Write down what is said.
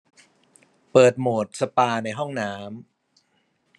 เปิดโหมดสปาในห้องน้ำ